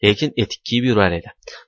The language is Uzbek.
lekin etik kiyib yurar edi